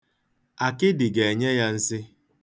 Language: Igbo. Akịdị ga-enye ya nsi.